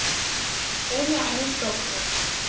Stell mir eine Stoppuhr.